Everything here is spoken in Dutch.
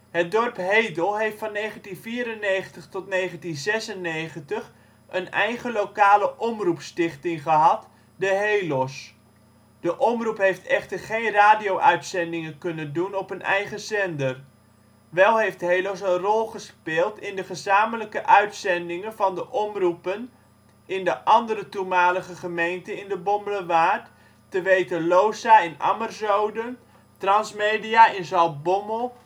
Het dorp Hedel heeft van 1994 tot 1996 een eigen lokale omroepstichting gehad, de HeLOS. De omroep heeft echter geen radio-uitzendingen kunnen doen op een eigen zender. Wel heeft HeLOS een rol gespeeld in de gezamenlijke uitzendingen van de omroepen in de andere toenmalige gemeenten in de Bommelerwaard, te weten LOSA (Ammerzoden), Transmedia (Zaltbommel